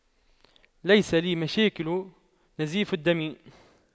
ليس لي مشاكل نزيف الدم